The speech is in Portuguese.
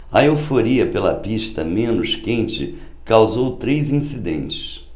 a euforia pela pista menos quente causou três incidentes